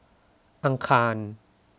อังคาร